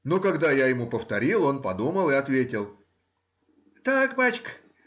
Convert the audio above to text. но, когда я ему повторил, он подумал и ответил — Так, бачка